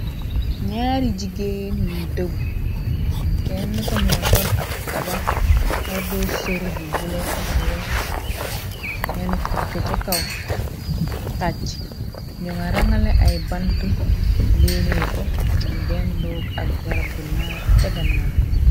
Ñaar yi jigéen yuy dëbb kenn ka mu nga sol ab kaba xodo sër bu bule ak weex yenu kut ga ca kaw kàcc ñoo nga rangale ay bant léeme ko mon denn doog ak barab bu naat cagannaaw.